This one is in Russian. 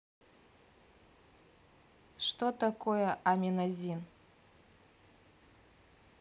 что такое аминазин